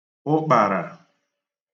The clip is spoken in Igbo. ụkpàrà